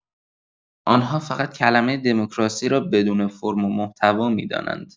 آنها فقط کلمه دموکراسی را بدون فرم و محتوا می‌دانند.